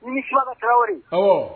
I ni su ka tarawele